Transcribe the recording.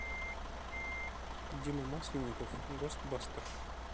дима масленников гост бастер